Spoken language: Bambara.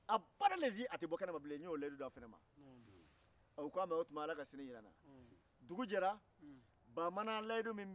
sabu dennpogotigini dɔw yɛrɛ bɛ ye ali ni kɔrɔkɛmuso ye u kɔrɔkɛ ladon kaɲɛ